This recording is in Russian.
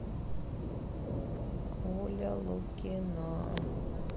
оля лукина